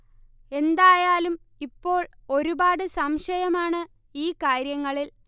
എന്തായാലും ഇപ്പോൾ ഒരുപാട് സംശയമാണ് ഈ കാര്യങ്ങളിൽ